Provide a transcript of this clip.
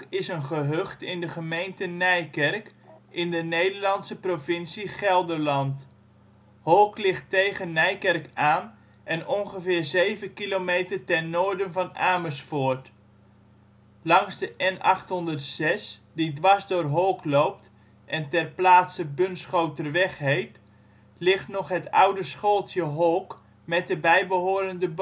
is een gehucht in de gemeente Nijkerk in de Nederlandse provincie Gelderland. Holk ligt tegen Nijkerk aan en ongeveer 7 km ten noorden van Amersfoort. Langs de N806, die dwars door Holk loopt en ter plaatse Bunschoterweg heet, ligt nog het oude schooltje Holk met de bijbehorende bovenmeesterswoning